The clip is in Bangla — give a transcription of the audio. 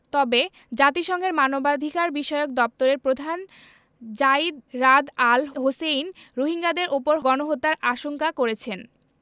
তবে জাতিসংঘের মানবাধিকারবিষয়ক দপ্তরের প্রধান যায়িদ রাদ আল হোসেইন রোহিঙ্গাদের ওপর গণহত্যার আশঙ্কা করেছেন